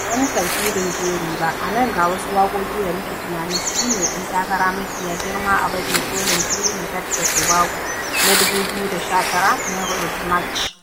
Ba wani tartibin jeri ba, a nan ga wasu waƙoƙi da muke tunanin su ne 'yan takara mafiya girma a baje-kolin Trinidad da Tobago na 2019 na Road March…